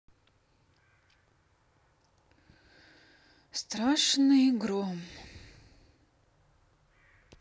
страшный гром